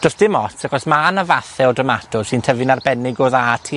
do's dim ots, achos ma' 'na fathe o domatos sy'n tyfu'n arbennig o dda tu